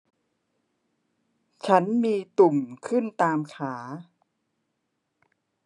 ฉันมีตุ่มขึ้นตามขา